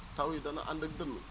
taw yi dana ànd ak dënnu